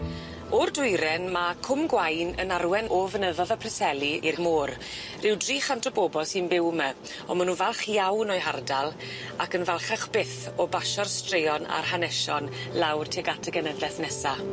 O'r dwyren ma' Cwm Gwaun yn arwen o fynyddo'dd y Preseli i'r môr ryw dri chant o bobol sy'n byw 'my on' my' nw falch iawn o'u hardal ac yn falchach byth o basio'r straeon a'r hanesion lawr tuag at y genedleth nesa.